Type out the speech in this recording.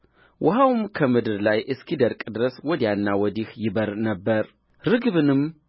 ውኃው ከምድር ላይ እስኪደርቅ ድረስ ወዲያና ወዲህ ይበር ነበር ርግብንም